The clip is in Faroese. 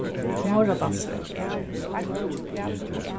norðradalsvegur